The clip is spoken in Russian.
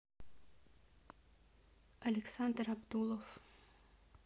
александр абдулов